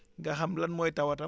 nga xam lan mooy tawatam